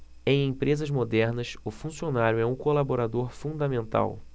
em empresas modernas o funcionário é um colaborador fundamental